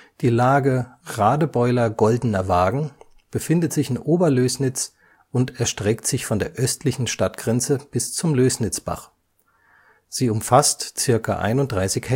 Die Lage Radebeuler Goldener Wagen befindet sich in Oberlößnitz und erstreckt sich von der östlichen Stadtgrenze bis zum Lößnitzbach. Sie umfasst ca. 31